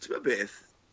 Ti'bo' beth?